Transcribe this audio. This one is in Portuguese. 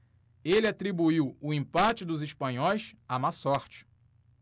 ele atribuiu o empate dos espanhóis à má sorte